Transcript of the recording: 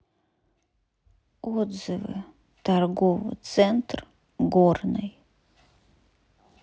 отзывы торговый центр горный